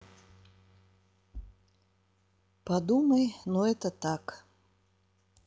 подумай но это так